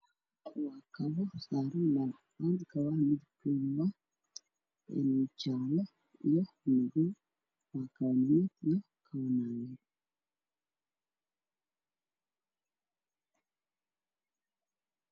Waa kabo saaran meel cadaan ah midabkoodu waa jaale iyo madow waana kabo naago iyo kabo niman.